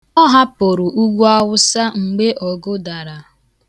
Ọ hapụrụ ugwuawụsa mgbe ọgụ dara.